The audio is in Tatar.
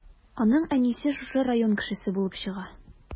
Аның әнисе шушы район кешесе булып чыга.